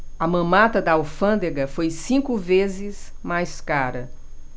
a mamata da alfândega foi cinco vezes mais cara